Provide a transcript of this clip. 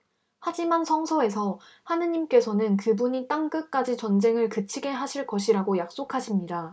하지만 성서에서 하느님께서는 그분이 땅 끝까지 전쟁을 그치게 하실 것이라고 약속하십니다